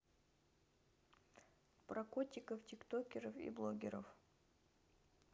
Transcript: про котиков тиктокеров и блогеров